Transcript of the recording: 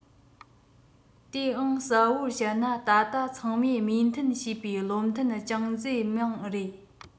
དེའང གསལ པོ བཤད ན ད ལྟ ཚང མས མོས མཐུན བྱས པའི བློ ཐུན ཅང ཙེ མིང རེད